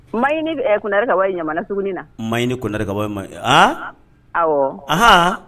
Mayini d ɛ Kɛnare ka bɔ Ɲamana suguni na Mayini Kɔnar ka bɔ Yamay e aaa awɔɔ anhann